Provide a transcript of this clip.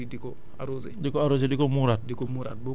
mais de temps en temps da nga koy muur di ko arrosé